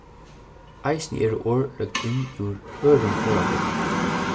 eisini eru orð løgd inn úr øðrum orðabókum